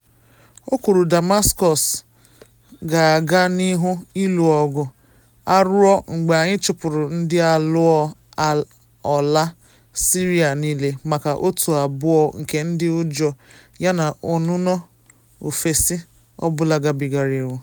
O kwuru Damascus ga-aga n’ihu “ịlụ ọgụ a ruo mgbe anyị chụpụrụ ndị alụọ ọlaa Syria niile” maka otu abụọ nke ndị ụjọ yana “ọnụnọ ofesi ọ bụla gabigara iwu.”